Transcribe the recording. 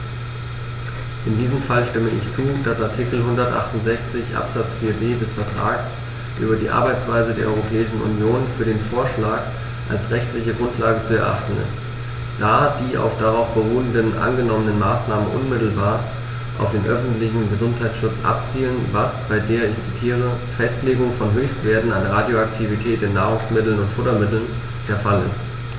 In diesem Fall stimme ich zu, dass Artikel 168 Absatz 4b des Vertrags über die Arbeitsweise der Europäischen Union für den Vorschlag als rechtliche Grundlage zu erachten ist, da die auf darauf beruhenden angenommenen Maßnahmen unmittelbar auf den öffentlichen Gesundheitsschutz abzielen, was bei der - ich zitiere - "Festlegung von Höchstwerten an Radioaktivität in Nahrungsmitteln und Futtermitteln" der Fall ist.